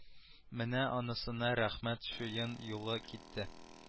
Менә анысына рәхмәт чуен юлы китте